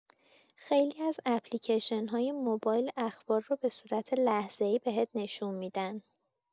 خیلی از اپلیکیشن‌های موبایل اخبار رو به صورت لحظه‌ای بهت نشون می‌دن.